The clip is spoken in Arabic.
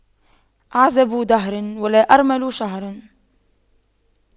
أعزب دهر ولا أرمل شهر